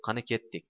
qani ketdik